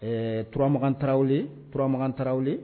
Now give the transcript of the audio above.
Ɛɛ turamagan taraweleraw turamagan taraweleraw